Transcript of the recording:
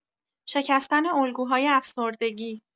شکستن الگوهای افسردگی